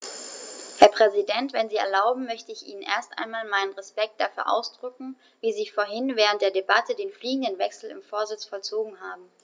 Herr Präsident, wenn Sie erlauben, möchte ich Ihnen erst einmal meinen Respekt dafür ausdrücken, wie Sie vorhin während der Debatte den fliegenden Wechsel im Vorsitz vollzogen haben.